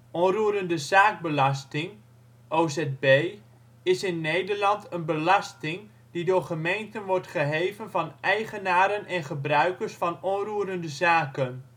Onroerendezaakbelasting (ozb) is in Nederland een belasting die door gemeenten wordt geheven van eigenaren en gebruikers van onroerende zaken